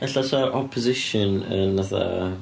Ella 'sa'r opposition yn fatha...